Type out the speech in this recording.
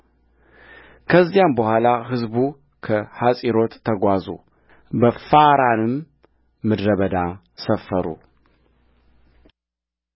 ከዚያም በኋላ ሕዝቡ ከሐጼሮት ተጓዙ በፋራንም ምድረ በዳ ሰፈሩ